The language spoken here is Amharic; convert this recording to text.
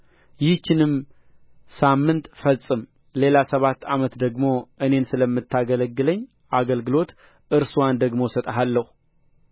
ይህችንም ሳምንት ፈጽም ሌላ ሰባት ዓመት ደግሞ እኔን ስለምታገለግለኝ አገልግሎት እርስዋን ደግሞ እሰጥሃለሁ